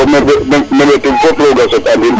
to mbembetum fop roga sot a nin